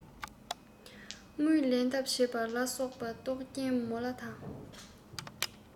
དངུལ ལེན ཐབས བྱས པ ལ སོགས པ རྟོག རྐྱེན མོ ལ དང